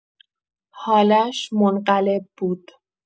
حالش منقلب بود.